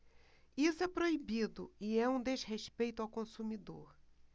isso é proibido e é um desrespeito ao consumidor